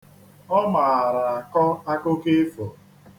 Ọ maara akọ akụkọ ifo.